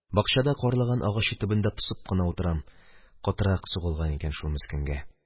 Бакчада карлыган агачы төбендә посып кына утырам, – катырак сугылган икән шул мескенгә.